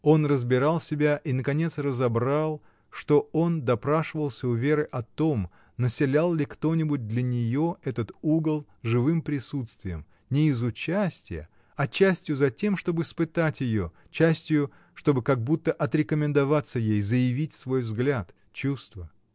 Он разбирал себя и наконец разобрал, что он допрашивался у Веры о том, населял ли кто-нибудь для нее этот угол живым присутствием, не из участия, а частию затем, чтоб испытать ее, частию, чтобы как будто отрекомендоваться ей, заявить свой взгляд, чувства.